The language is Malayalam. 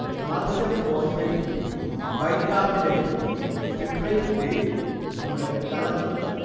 കാൽസ്യം ഫോസ്ഫേറ്റിന്റേയും ബൈകാർബണേറ്റിന്റേയും സിട്രേറ്റിന്റേയും കൂടെ കലർന്ന് കിടക്കുന്നു